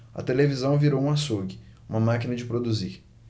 a televisão virou um açougue uma máquina de produzir